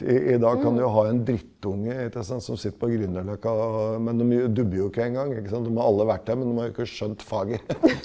i i dag kan du jo ha en drittunge ikke sant som sitter på Grünerløkka og men dem dubber jo ikke en gang ikke sant, dem har alle verktøy men dem har jo ikke skjønt faget.